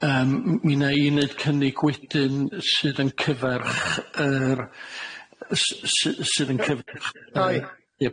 yym mi 'na i neud cynnig wedyn sydd yn cyfarch yr s- s- sydd yn cyfarch yy...